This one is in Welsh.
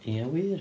Ia wir?